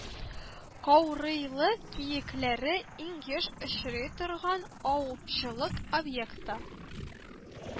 Каурыйлы киекләре иң еш очрый торган ау чылык объекты